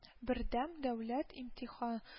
Бердәм дәүләт имтиха